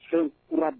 Se